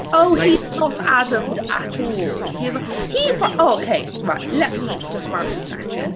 Oh he's not Adam'd at all. He's no... He ri... oh okay right let me just rant a second.